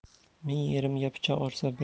ming yerimga pichoq ursa